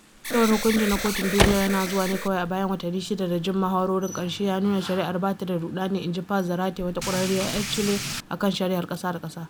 Cewar hukunci na Kotun Duniyar yana zuwa ne kawai a bayan watanni shida da jin mahawarorin ƙarshe ya nuna shari’ar “ba ta da rudani,” inji Paz Zárate wata ƙwararriya ‘yar Chile a kan shari’ar ƙasa-da-ƙasa.